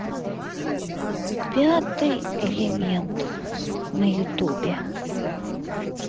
пятый элемент на ютубе